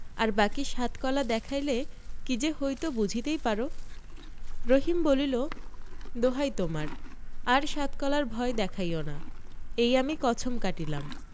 আর বাকী সাত কলা দেখাইলে কি যে হইত বুঝিতেই পার রহিম বলিল দোহাই তোমার আর সাত কলার ভয় দেখাইও না এই আমি কছম কাটিলাম